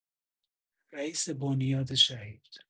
رئیس بنیاد شهید